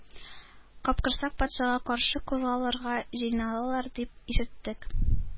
Капкорсак патшага каршы кузгалырга җыйналалар дип ишеттек,